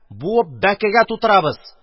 Буып бәкегә тутырабыз!